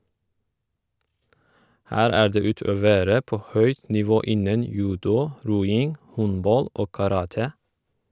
- Her er det utøvere på høyt nivå innen judo, roing, håndball og karate.